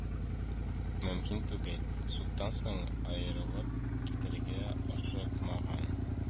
Мөмкин түгел, судтан соң аерылып китәргә ашыкмаган